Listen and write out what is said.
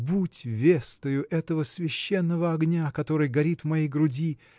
– будь Вестою этого священного огня который горит в моей груди